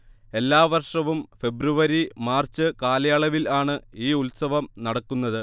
എല്ലാ വർഷവും ഫെബ്രുവരി മാർച്ച് കാലയളവിൽ ആണ് ഈ ഉത്സവം നടക്കുന്നത്